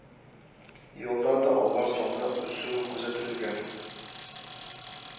Елда да алар саны үсү күзәтелгән